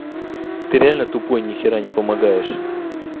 ты реально тупой нихера не помогаешь